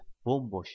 bo'm bo'sh